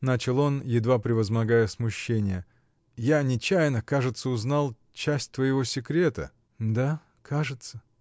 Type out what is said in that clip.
— начал он, едва превозмогая смущение, — я нечаянно, кажется, узнал часть твоего секрета. — Да, кажется!